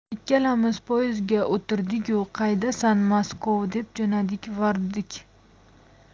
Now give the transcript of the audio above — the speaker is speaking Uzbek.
ikkalamiz poyizga o'tirdigu qaydasan maskov deb jo'nadik vordik